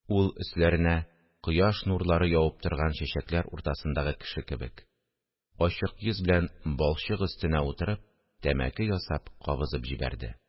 Ул, өсләренә кояш нурлары явып торган чәчәкләр уртасындагы кеше кебек, ачык йөз белән балчык өстенә утырып, тәмәке ясап кабызып җибәрде